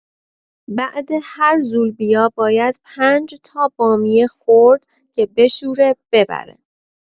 بعد هر زولبیا باید ۵ تا بامیه خورد که بشوره ببره